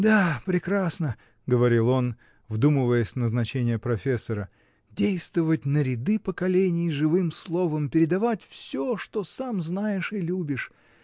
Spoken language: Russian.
— Да, прекрасно, — говорил он, вдумываясь в назначение профессора, — действовать на ряды поколений живым словом, передавать всё, что сам знаешь и любишь!